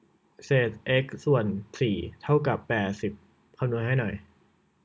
เศษเอ็กซ์ส่วนสี่เท่ากับแปดสิบคำนวณให้หน่อย